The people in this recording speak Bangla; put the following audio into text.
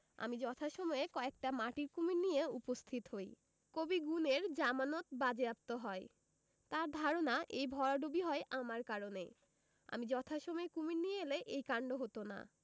আমি যথাসময়ে কয়েকটা মাটির কুমীর নিয়ে উপস্থিত হই কবি গুণের জামানত বাজেয়াপ্ত হয় তাঁর ধারণা এই ভরাডুবি হয় আমার কারণে আমি যথাসময়ে কুমীর নিয়ে এলে এই কান্ড হত না